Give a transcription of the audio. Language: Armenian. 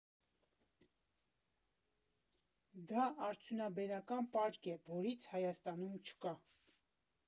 Դա արդյունաբերական պարկ է, որից Հայաստանում չկա։